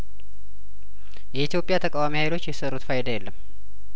የኢትዮጵያ ተቃዋሚ ሀይሎች የሰሩት ፋይዳ የለም